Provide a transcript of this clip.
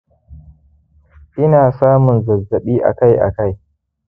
ina samun zazzaɓi akai-akai